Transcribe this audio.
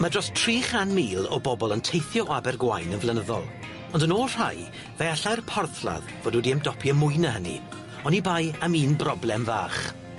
Ma' dros tri chan mil o bobol yn teithio o Abergwaun yn flynyddol, ond yn ôl rhai, fe allai'r porthladd fod wedi ymdopi â mwy na hynny, onibai am un broblem fach.